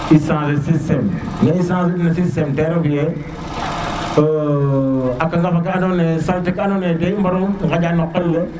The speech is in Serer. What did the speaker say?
i changer système ge i changer na système te refu ye a kanga ke andona ye salté ke ando ye te i mbaru ngaƴa no qol le